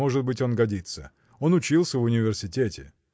может быть, он годится: он учился в университете.